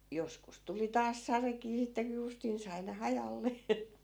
joskus tuli taas sadekin sitten kun justiin sai ne hajalle